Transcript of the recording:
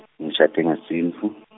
ngishade ngesintfu.